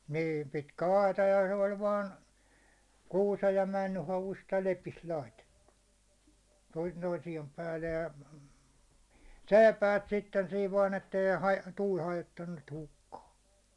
niin pitkä aita ja se oli vain kuusen ja männyn havusta ja lepistä laitettu toinen toisien päälle ja seipäät sitten siinä vain että ei - tuuli hajottanut niitä hukkaan